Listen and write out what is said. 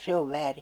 se on väärin